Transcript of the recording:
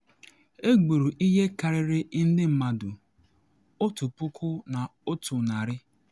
Egburu ihe karịrị ndị mmadụ 1,100.